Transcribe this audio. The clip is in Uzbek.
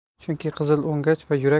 chunki qizil o'ngach va